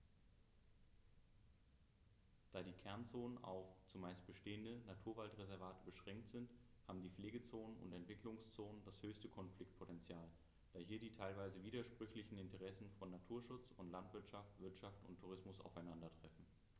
Da die Kernzonen auf – zumeist bestehende – Naturwaldreservate beschränkt sind, haben die Pflegezonen und Entwicklungszonen das höchste Konfliktpotential, da hier die teilweise widersprüchlichen Interessen von Naturschutz und Landwirtschaft, Wirtschaft und Tourismus aufeinandertreffen.